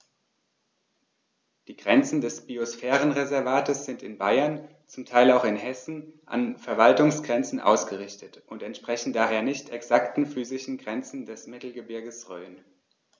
Die Grenzen des Biosphärenreservates sind in Bayern, zum Teil auch in Hessen, an Verwaltungsgrenzen ausgerichtet und entsprechen daher nicht exakten physischen Grenzen des Mittelgebirges Rhön.